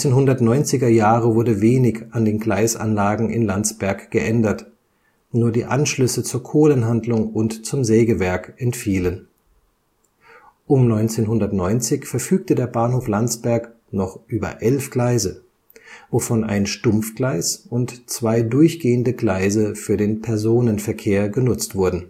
1990er Jahre wurde wenig an den Gleisanlagen in Landsberg geändert, nur die Anschlüsse zur Kohlenhandlung und zum Sägewerk entfielen. Um 1990 verfügte der Bahnhof Landsberg noch über elf Gleise, wovon ein Stumpfgleis und zwei durchgehende Gleise für den Personenverkehr genutzt wurden